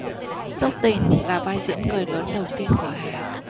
dốc tình là vai diễn người lớn đầu tiên của hà